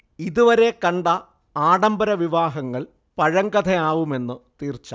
ഇതുവരെ കണ്ട ആഢംബര വിവാഹങ്ങൾ പഴങ്കഥയാവുമെന്നു തീർച്ച